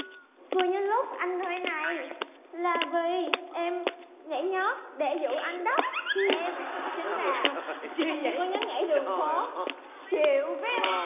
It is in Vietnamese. cười như lúc anh nơi này là vì em nhảy nhót để dụ anh đó em chính là một cô nhóm nhảy đường phố triệu viu